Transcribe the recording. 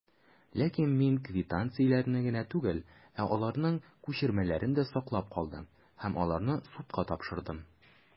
Ләкин мин квитанцияләрне генә түгел, ә аларның күчермәләрен дә саклап калдым, һәм аларны судка тапшырдым.